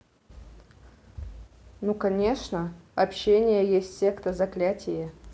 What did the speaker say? ну конечно общение есть секта заклятие